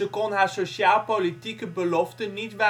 kon haar sociaalpolitieke beloften niet